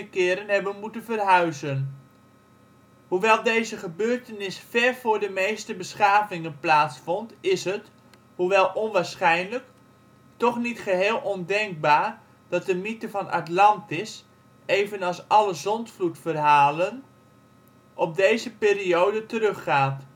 keren hebben moeten verhuizen. Hoewel deze ' gebeurtenis ' ver voor de meeste beschavingen plaatsvond, is het, hoewel onwaarschijnlijk, toch niet geheel ondenkbaar dat de mythe van Atlantis (evenals alle zondvloedverhalen) op deze periode teruggaat